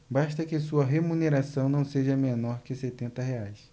basta que sua remuneração não seja menor que setenta reais